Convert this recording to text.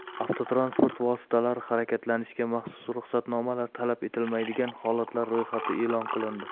avtotransport vositalari harakatlanishiga maxsus ruxsatnomalar talab etilmaydigan holatlar ro'yxati e'lon qilindi